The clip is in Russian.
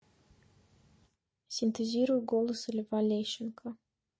синтезируй голос льва лещенко